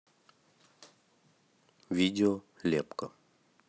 видео лепка